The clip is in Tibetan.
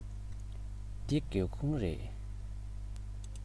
འདི སྒེའུ ཁུང རེད